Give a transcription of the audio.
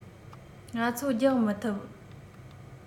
ང ཚོ རྒྱག མི ཐུབ